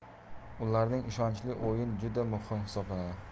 ularning ishonchli o'yini juda muhim hisoblanadi